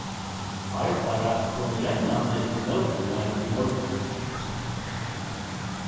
barbara kom rennandi ímóti mær í morgun